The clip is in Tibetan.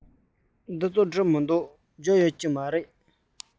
དེ ཚོ བྲིས མི འདུག འབྱོར ཡོད ཀྱི མ རེད